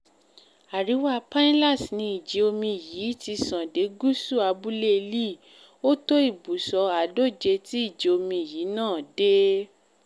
Àríwá Pinellas ni ìjì omi yìí ti sàn dé gúsù abúlé Lee. Ó tó ibùsọ̀ 130 tí ìjì omi naà deé.